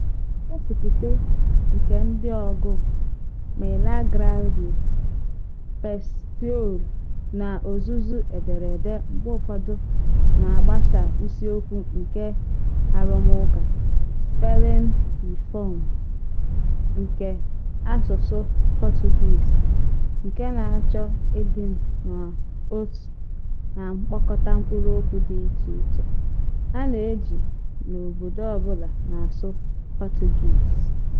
Ngosịpụta nke ndị ọgụụ Milagrário Pessoal n'ozuzu ederede mgbe ụfọdụ na-agbasa isiokwu nke arụmụka Spelling Reform nke asụsụ Portuguese, nke na-achọ ịdị n'otu na mkpokọta mkpụrụokwu dị icheiche a na-eji n'obodo ọbụla na-asụ Portuguese.